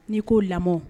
N'i ko lamɔ.